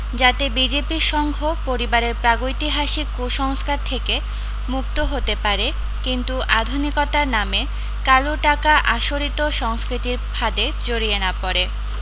যাতে বিজেপি সংঘ পরিবারের প্রাগৈতিহাসিক কূসংস্কার থেকে মুক্ত হতে পারে কিন্তু আধুনিকতার নামে কালো টাকা আশরিত সংস্কৃতির ফাঁদে জড়িয়ে না পড়ে